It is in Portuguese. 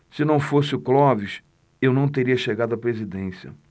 se não fosse o clóvis eu não teria chegado à presidência